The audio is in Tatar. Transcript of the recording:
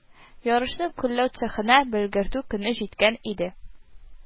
Ярышны көлләү цехына белгертү көне җиткән иде